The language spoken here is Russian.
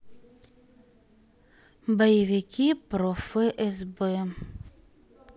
боевики про фсб